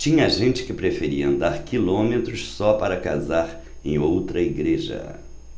tinha gente que preferia andar quilômetros só para casar em outra igreja